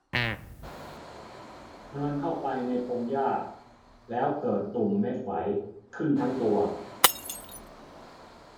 เดินเข้าไปในพงหญ้าแล้วเกิดตุ่มเม็ดไฝขึ้นทั้งตัว